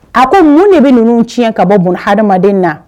A ko mun de bɛ ninnu cɛn ka bɔ boun adamaden ma